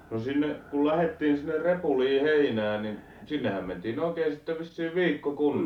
no sinne kun lähdettiin sinne Repuliin heinään niin sinnehän mentiin oikein sitten vissiin viikkokunniksi